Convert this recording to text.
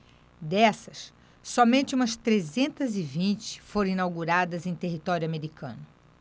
dessas somente umas trezentas e vinte foram inauguradas em território americano